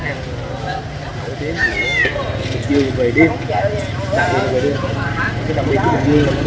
những địa điểm ăn nổi tiếng của bình dương về đêm đặc biệt là về đêm